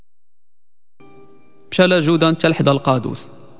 شيله جود انت لحد القادوس